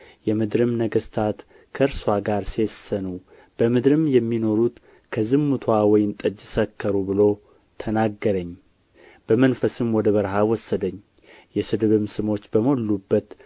የምድርም ነገሥታት ከእርስዋ ጋር ሴሰኑ በምድርም የሚኖሩ ከዝሙትዋ ወይን ጠጅ ሰከሩ ብሎ ተናገረኝ በመንፈስም ወደ በረሀ ወሰደኝ የስድብም ስሞች በሞሉበት